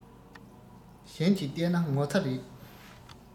གཞན གྱིས བལྟས ན ངོ ཚ རེད